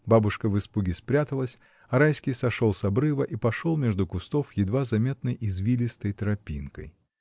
Бабушка в испуге спряталась, а Райский сошел с обрыва и пошел между кустов едва заметной извилистой тропинкой.